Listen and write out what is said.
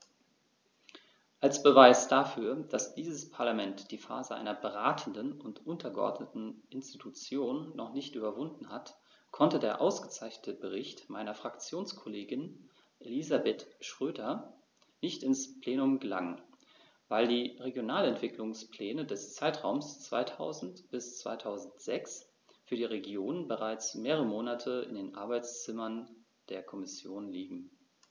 Als Beweis dafür, dass dieses Parlament die Phase einer beratenden und untergeordneten Institution noch nicht überwunden hat, konnte der ausgezeichnete Bericht meiner Fraktionskollegin Elisabeth Schroedter nicht ins Plenum gelangen, weil die Regionalentwicklungspläne des Zeitraums 2000-2006 für die Regionen bereits mehrere Monate in den Arbeitszimmern der Kommission liegen.